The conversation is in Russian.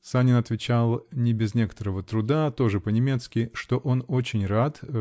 Санин отвечал, не без некоторого труда, тоже по-немецки, что он очень рад.